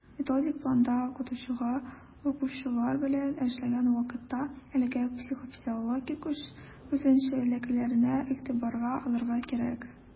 Методик планда укытучыга, укучылар белән эшләгән вакытта, әлеге психофизиологик үзенчәлекләрне игътибарга алырга кирәк.